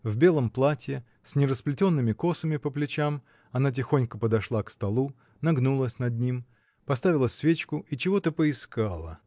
В белом платье, с нерасплетенными косами по плечам, она тихонько подошла к столу, нагнулась над ним, поставила свечку и чего-то поискала